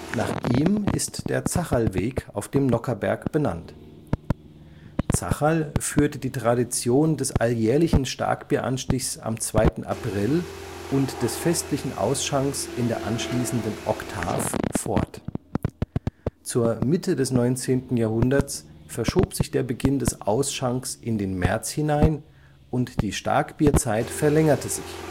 nach ihm ist der Zacherlweg auf dem Nockherberg benannt. Zacherl führte die Tradition des alljährlichen Starkbieranstichs am 2. April und des festlichen Ausschanks in der anschließenden Oktav (acht Tage) fort. Zur Mitte des 19. Jahrhunderts verschob sich der Beginn des Ausschanks in den März hinein und die Starkbierzeit verlängerte sich